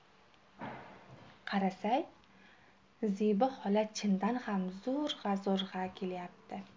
qarasak zebi xola chindan ham zo'rg'a zo'rg'a kelyapti